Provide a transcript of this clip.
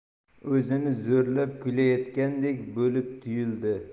o'zini zo'rlab kulayotgandek bo'lib tuyuldi